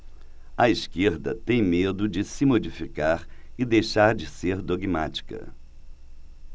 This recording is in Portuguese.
a esquerda tem medo de se modificar e deixar de ser dogmática